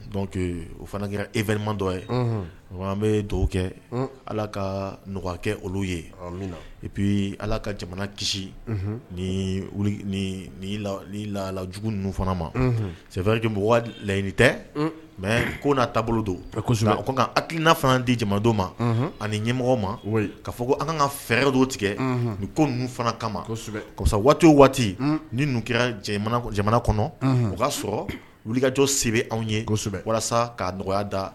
Dɔnkucke o fana kɛra e vmandɔ ye an bɛ dɔw kɛ ala ka nɔgɔyakɛ olu ye ipi ala ka jamana kisi lalaj jugu ninnu fana ma sɛ layiɲini tɛ mɛ ko n' taabolo don a hakilikiina fana di jamanado ma ani ɲɛmɔgɔ ma ka fɔ ko an ka fɛɛrɛ don tigɛ ni ko ninnu fana kama kosɛbɛsɔ waatito waati ni kɛra jamana kɔnɔ o kaa sɔrɔ wulikajɔ sɛbɛn anw ye kosɛbɛbɛ walasa k'a nɔgɔya da